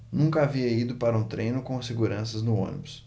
nunca havia ido para um treino com seguranças no ônibus